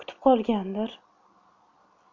kutib qolgandir